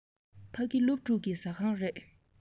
ཕ གི སློབ ཕྲུག གི ཟ ཁང རེད